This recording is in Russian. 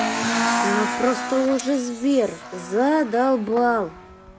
ну просто уже сбер задолбал